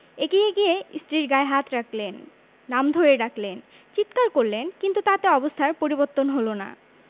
এগিয়ে গিয়ে স্ত্রীর গায়ে হাত রাখলেন নাম ধরে ডাকলেন চিৎকার করলেন কিন্তু তাতে অবস্থার পরিবর্তন হলো না